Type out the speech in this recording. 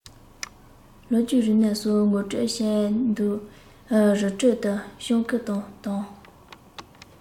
ལོ རྒྱུས རིག གནས སོགས ངོ སྤྲོད བྱས འདུག རི ཁྲོད དུ སྤྱང ཀི དང དོམ